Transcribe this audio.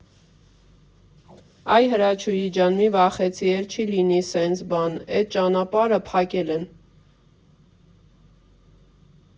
Այ Հրաչուհի ջան, մի վախեցի, էլ չի լինի տենց բան, էդ ճանապարհը փակել են։